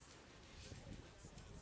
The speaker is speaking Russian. афина молодец не слушай его